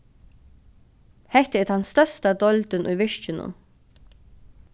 hetta er tann størsta deildin í virkinum